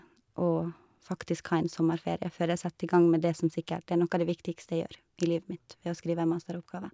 Å faktisk ha en sommerferie før jeg setter i gang med det som sikkert er noe av det viktigste jeg gjør i livet mitt ved å skrive ei masteroppgave.